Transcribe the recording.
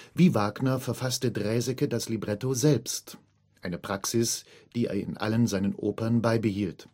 Wie Wagner verfasste Draeseke das Libretto selbst - eine Praxis, die er in allen seinen Opern beibehielt